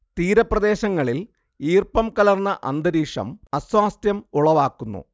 തീരപ്രദേശങ്ങളിൽ ഈർപ്പം കലർന്ന അന്തരീക്ഷം അസ്വാസ്ഥ്യം ഉളവാക്കുന്നു